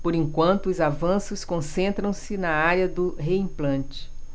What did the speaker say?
por enquanto os avanços concentram-se na área do reimplante